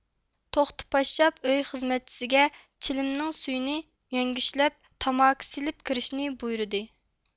توختى پاششاپ ئۆي خىزمەتچىسىگە چىلىمنىڭ سۈيىنى يەڭگۈشلەپ تاماكا سېلىپ كىرىشىنى بۇيرىدى